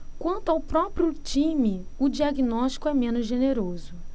quanto ao seu próprio time o diagnóstico é menos generoso